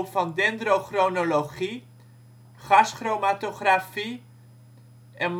van dendrochronologie, gaschromatografie en